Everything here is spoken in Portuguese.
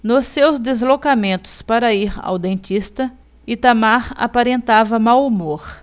nos seus deslocamentos para ir ao dentista itamar aparentava mau humor